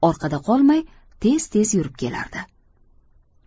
orqada qolmay tez tez yurib kelardi